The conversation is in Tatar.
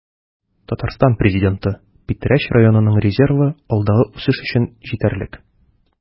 Татарстан Президенты: Питрәч районының резервы алдагы үсеш өчен җитәрлек